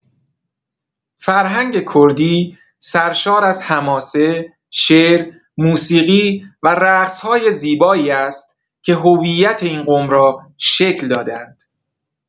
فرهنگ کردی سرشار از حماسه، شعر، موسیقی و رقص‌های زیبایی است که هویت این قوم را شکل داده‌اند.